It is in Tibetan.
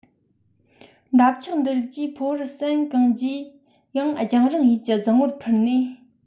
འདབ ཆགས འདི རིགས ཀྱིས ཕོ བར ཟན བཀང རྗེས ཡང རྒྱང རིང ཡུལ གྱི རྫིང བུར འཕུར ནས